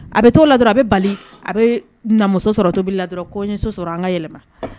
A bɛ to ladi a bɛ bali a bɛ namuso sɔrɔ tobili la koso sɔrɔ an ka yɛlɛma